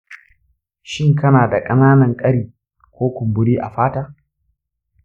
shin kana da ƙananan ƙari ko kumburi a fata?